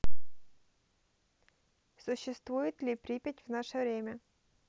существует ли припять в наше время